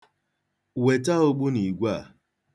Weta ogbunigwe a.